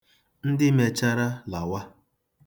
Ndị mechara, lawa.